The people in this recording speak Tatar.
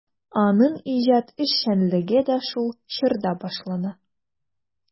Аның иҗат эшчәнлеге дә шул чорда башлана.